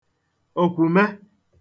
òkwùme